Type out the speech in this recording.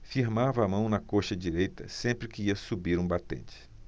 firmava a mão na coxa direita sempre que ia subir um batente